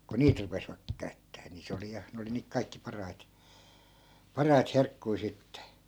kun niitä rupesivat käyttämään niin se oli ja ne oli niitä kaikkein parhaita parhaita herkkuja sitten